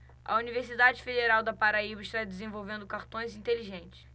a universidade federal da paraíba está desenvolvendo cartões inteligentes